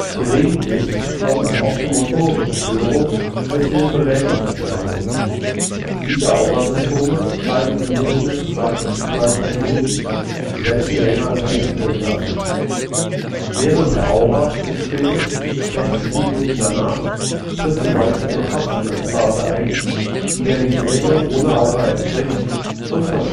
Gelegentlich (6 %) kommt es auch zu motorischen Störungen bis hin zu Lähmungserscheinungen. Diese Aurasymptome halten im Durchschnitt 20 – 30 Minuten, selten länger als eine Stunde an. Während der Aura bis spätestens 60 Minuten danach tritt zumeist eine Kopfschmerzphase ein, die der Migräne ohne Aura entspricht und von